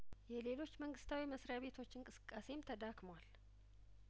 የሌሎች መንግስታዊ መስሪያ ቤቶች እንቅስቃሴም ተዳክሟል